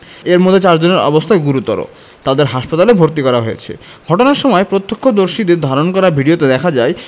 এর মধ্যে চারজনের অবস্থা গুরুতর তাদের হাসপাতালে ভর্তি করা হয়েছে ঘটনার সময় প্রত্যক্ষদর্শীদের ধারণ করা ভিডিওতে দেখা যায়